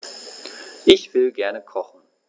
Ich will gerne kochen.